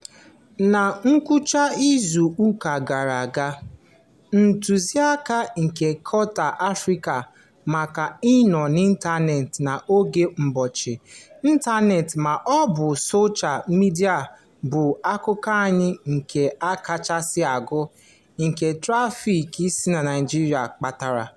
Na ngwụcha izu ụka gara aga, ntụziaka nke Quartz Africa maka ịnọ n'ịntaneetị n'oge mgbochi ịntaneetị ma ọ bụ soshaa midịa bụ akụkọ anyị nke a kasị gụọ, nke trafiiki si Naịjirịa kpatara.